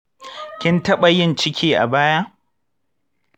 kin taɓa yin ciki a baya?